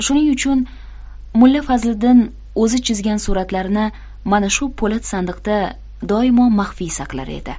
shuning uchun mulla fazliddin o'zi chizgan suratlarini mana shu po'lat sandiqda doim maxfiy saqlar edi